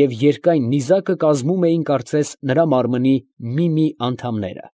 և երկայն նիզակը կազմում էին, կարծես, նրա մարմնի մի֊մի անդամները։